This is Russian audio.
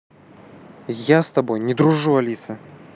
я с тобой не дружу алиса